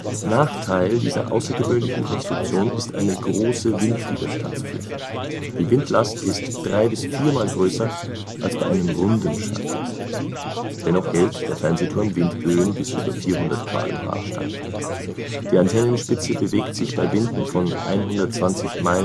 Nachteil dieser außergewöhnlichen Konstruktion ist eine große Windwiderstandsfläche. Die Windlast ist drei - bis viermal größer als bei einem runden Schaft. Dennoch hält der Fernsehturm Windböen bis über 400 km/h stand. Die Antennenspitze bewegt sich bei Winden von 120 mph